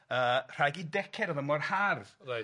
Yy rhag 'i decer o'dd o mor hardd. Reit.